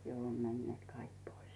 jo on menneet kaikki pois